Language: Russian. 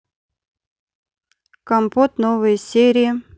компот новые серии